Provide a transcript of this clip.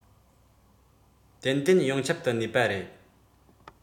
ཏན ཏན ཡོངས ཁྱབ ཏུ གནས པ རེད